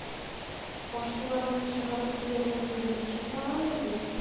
Аш-суларыңны чыгарып түгәргә күзең чыкмагандыр бит.